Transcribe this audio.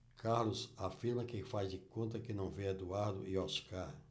carlos afirma que faz de conta que não vê eduardo e oscar